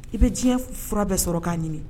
I bɛ diɲɛ fura bɛɛ sɔrɔ k'a ɲimi